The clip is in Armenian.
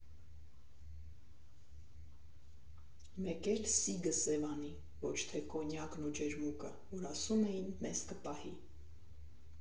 Մեկ էլ սիգը Սևանի, ոչ թե կոնյակն ու ջերմուկը, որ ասում էին՝ մեզ կպահի։